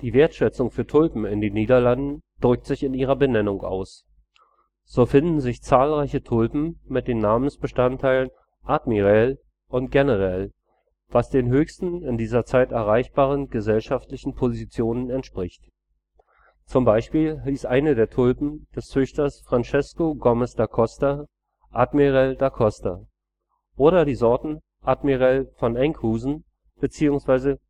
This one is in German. Wertschätzung für Tulpen in den Niederlanden drückt sich in ihrer Benennung aus. So finden sich zahlreiche Tulpen mit den Namensbestandteilen Admirael und Generael, was den höchsten in dieser Zeit erreichbaren gesellschaftlichen Positionen entspricht. Zum Beispiel hieß eine der Tulpen des Züchters Francesco Gomes da Costa ' Admirael da Costa ' oder die Sorten ' Admirael van Enkhuizen ' bzw.